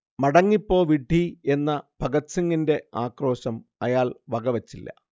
'മടങ്ങിപ്പോ വിഡ്ഢീ' എന്ന ഭഗത്സിങ്ങിന്റെ ആക്രോശം അയാൾ വകവച്ചില്ല